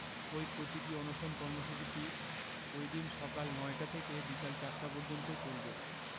ওই প্রতীকী অনশন কর্মসূচিটি ওইদিন সকাল ৯টা থেকে বিকেল ৪টা পর্যন্ত চলবে